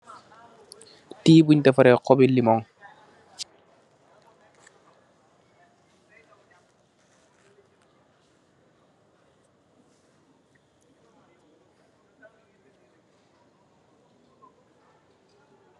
Tea buñ deferee xobi limoñ.